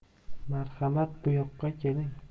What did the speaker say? marhamat buyoqqa keling